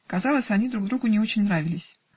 Казалось, они друг другу не очень нравились